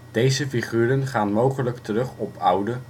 Deze figuren gaan mogelijk terug op oude